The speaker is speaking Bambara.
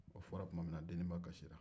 o fɔra tuma minna deniba kasira